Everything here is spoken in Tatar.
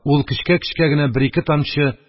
Ул көчкә-көчкә генә бер-ике тамчы